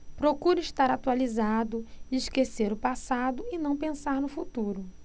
procuro estar atualizado esquecer o passado e não pensar no futuro